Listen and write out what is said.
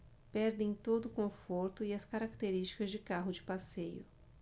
perdem todo o conforto e as características de carro de passeio